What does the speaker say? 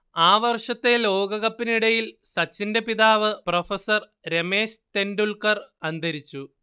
ആ വർഷത്തെ ലോകകപ്പിനിടയിൽ സച്ചിന്റെ പിതാവ് പ്രൊഫസർ രമേശ് തെൻഡുൽക്കർ അന്തരിച്ചു